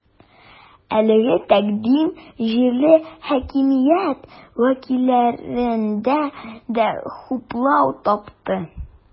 Әлеге тәкъдим җирле хакимият вәкилләрендә дә хуплау тапты.